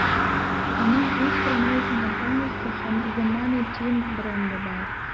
Аның үз промоушн-компаниясе һәм The Money Team бренды бар.